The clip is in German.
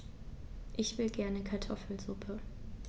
Ich will gerne Kartoffelsuppe.